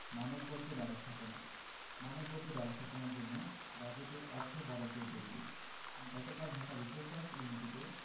মানববর্জ্য ব্যবস্থাপনা মানববর্জ্য ব্যবস্থাপনার জন্য বাজেটে অর্থ বরাদ্দ জরুরি গতকাল ঢাকা রিপোর্টার্স ইউনিটিতে